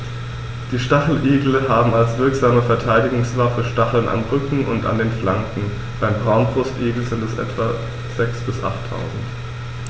Die Stacheligel haben als wirksame Verteidigungswaffe Stacheln am Rücken und an den Flanken (beim Braunbrustigel sind es etwa sechs- bis achttausend).